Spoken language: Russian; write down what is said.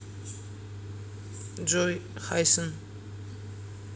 джой хайсен